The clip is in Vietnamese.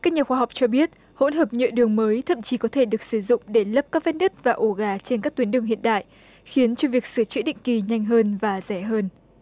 các nhà khoa học cho biết hỗn hợp nhựa đường mới thậm chí có thể được sử dụng để lấp các vết nứt và ổ gà trên các tuyến đường hiện đại khiến cho việc sửa chữa định kỳ nhanh hơn và rẻ hơn